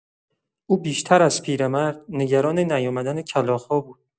او بیشتر از پیرمرد، نگران نیامدن کلاغ‌ها بود.